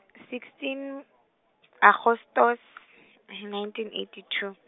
sixteen, Agostose , nineteen eighty two.